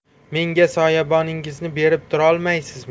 menga soyaboningizni berib turolmaysizmi